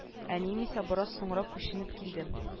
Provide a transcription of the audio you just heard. Әнием исә бераз соңрак күченеп килде